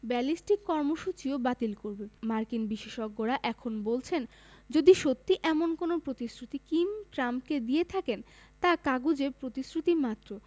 ballistic কর্মসূচিও বাতিল করবে মার্কিন বিশেষজ্ঞেরা এখন বলছেন যদি সত্যি এমন কোনো প্রতিশ্রুতি কিম ট্রাম্পকে দিয়ে থাকেন তা কাগুজে প্রতিশ্রুতিমাত্র